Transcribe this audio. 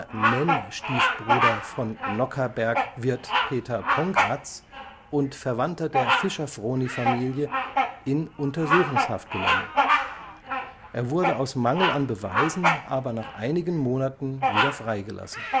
Nenn-Stiefbruder von Nockherberg-Wirt Peter Pongratz und Verwandter der Fischer-Vroni-Familie, in Untersuchungshaft genommen. Er wurde aus Mangel an Beweisen aber nach einigen Monaten wieder freigelassen